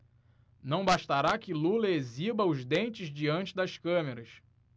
não bastará que lula exiba os dentes diante das câmeras